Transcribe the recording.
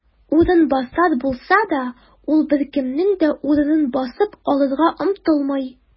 "урынбасар" булса да, ул беркемнең дә урынын басып алырга омтылмый.